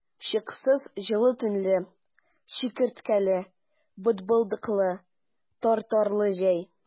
Чыксыз җылы төнле, чикерткәле, бытбылдыклы, тартарлы җәй!